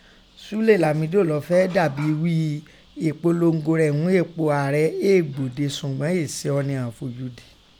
Súlè Lamido lọ́ fẹ́ẹ́ da bi ghí èpolongo rẹ un epò Ààrẹ éè gbòde sùgbọ́n éè se ọni àn án fojú di.